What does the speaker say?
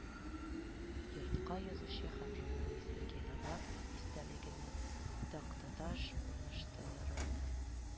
Йортка язучы һәм журналист сергей довлатов истәлегенә тактаташ урнаштырылды